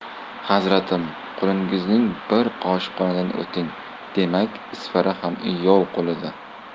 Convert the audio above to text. hazratim qulingizning bir qoshiq qonidan o'ting demak isfara ham yov qo'lida